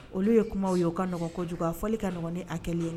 Olu ye kuma ye u kaɔgɔnko kojugu a fɔli ka ɲɔgɔnɔgɔn a kɛlen ye